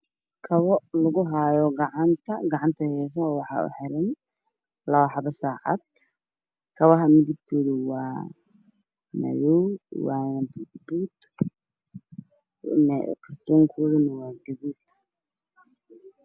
Kabo lagu haayo gacanta, gacanta haysana waxaa u xiran labo xabo saacad ,kabaha midab kooda waa madow wana mid ruud kalarkoodana waa gaduud